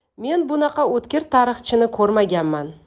men bunaqa o'tkir tarixchini ko'rmaganman